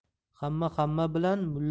hamma hamma bilan